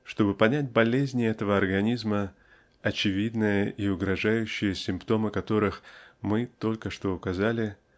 Чтобы понять болезни этого организма -- очевидные и угрожающие симптомы которых мы только что указали